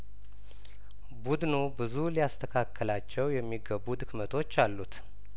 ቡድኑ ብዙ ሊያስተካክላቸው የሚገቡ ድክመቶች አሉት